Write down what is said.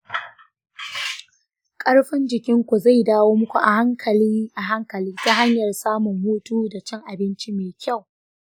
ƙarfin jikinku zai dawo muku a hankali a hankali ta hanyar samun hutu da cin abinci mai kyau.